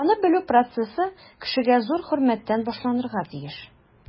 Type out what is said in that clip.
Танып-белү процессы кешегә зур хөрмәттән башланырга тиеш.